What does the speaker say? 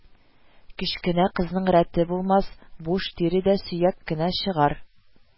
Кечкенә кызның рәте булмас, буш тире дә сөяк кенә чыгар